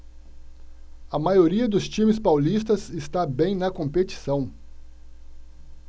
a maioria dos times paulistas está bem na competição